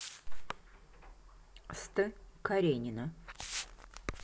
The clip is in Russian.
ст каренина